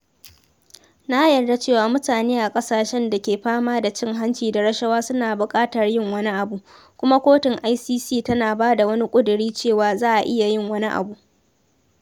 Na yarda cewa mutane a ƙasashen da ke fama da cin hanci da rashawa suna buƙatar yin wani abu, kuma kotun ICC tana ba da wani kudiri cewa za a iya yin wani abu.